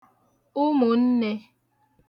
ụmụ̀nnē